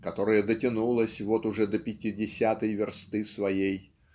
которая дотянулась вот уже до пятидесятой версты своей